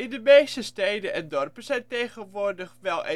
de meeste steden en dorpen zijn tegenwoordig wel